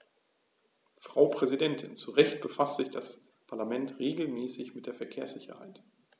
Frau Präsidentin, zu Recht befasst sich das Parlament regelmäßig mit der Verkehrssicherheit.